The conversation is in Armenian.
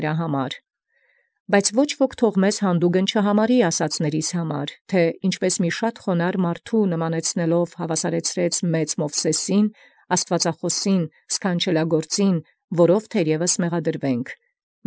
Բայց մի՛ ոք յանդգնագոյն վասն ասացելոցն զմեզ համարեսցի, թէ զիարդ զայր մի խոնարհագոյն ընդ մեծին Մովսէսի, ընդ աստուածախաւսին, սքանչելագործին նմանեցուցեալ հաւասարեաց. որով թերևս ստգտանիցեմք։